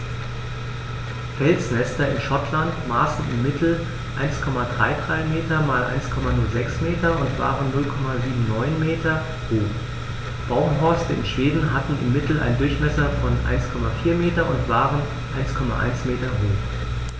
Felsnester in Schottland maßen im Mittel 1,33 m x 1,06 m und waren 0,79 m hoch, Baumhorste in Schweden hatten im Mittel einen Durchmesser von 1,4 m und waren 1,1 m hoch.